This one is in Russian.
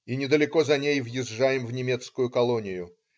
И недалеко за ней въезжаем в немецкую колонию.